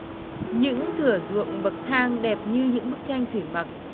những thửa ruộng bậc thang đẹp như những bức tranh thủy mặc